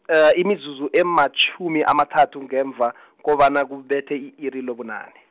imizuzu ematjhumi amathathu ngemva , kobana kubethe i-iri lobunane.